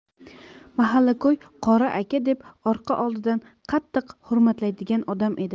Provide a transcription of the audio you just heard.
mahalla ko'y qori aka deb orqa oldidan qattiq hurmatlaydigan odam edi